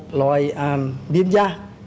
loại àm viêm da